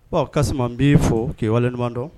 Ɔ tasuma n b'i fɔ k'waleɲuman dɔn